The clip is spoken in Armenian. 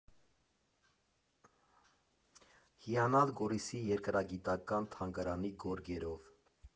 Հիանալ Գորիսի երկրագիտական թանգարանի գորգերով։